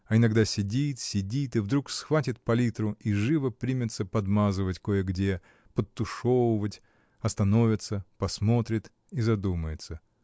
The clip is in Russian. А иногда сидит, сидит и вдруг схватит палитру и живо примется подмазывать кое-где, подтушевывать, остановится, посмотрит и задумается.